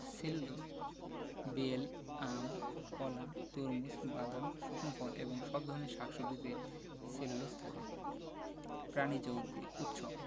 cellulose বেল আম কলা তরমুজ বাদাম শুকনো ফল এবং সব ধরনের শাক সবজিতে সেলুলোজ থাকে প্রানিজ উৎস